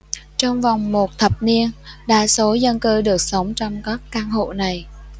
trong vòng một thập niên đa số dân cư dược sống trong các căn hộ này